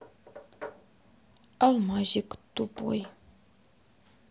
алмазик тупой